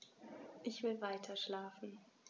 Ich will weiterschlafen.